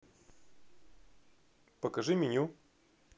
покажи меню